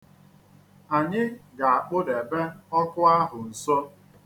Anyị ga-akpudebe ọkụ ahụ nso.